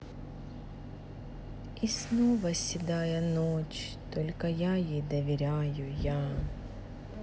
и снова седая ночь только ей доверяю я